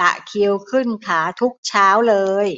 ตะคริวขึ้นขาทุกเช้าเลย